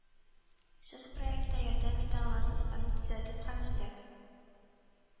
Сез проектка ярдәм итә аласыз, аны төзәтеп һәм өстәп